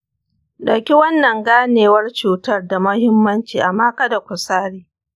ɗauki wannan ganewar cutar da muhimmanci amma kada ku sare.